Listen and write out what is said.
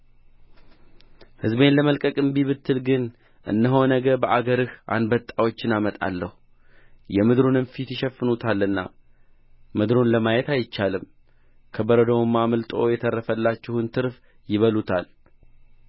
ሕዝቤን ለመልቀቅ እንቢ ብትል ግን እነሆ ነገ በአገርህ አንበጣዎችን አመጣለሁ የምድሩንም ፊት ይሸፍኑታልና ምድሩን ለማየት አይቻልም ከበረዶውም አምልጦ የተረፈላችሁን ትርፍ ይበሉታል